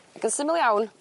Ac yn syml iawn